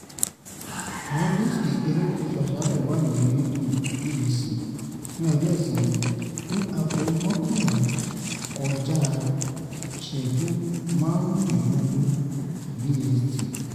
Àwọn dísìkì Èrékùsù Aṣalẹ̀ wà lórí Rédíò BBC ní ọjọ́ Ìsinmi ní 11:15 BST.